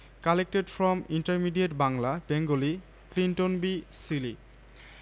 আমরা সবাই খুব খুশি হব আমরা ভালো আছি